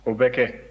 o bɛ kɛ